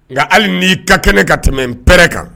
Nka hali n'i ka kɛnɛ ka tɛmɛ npɛ kan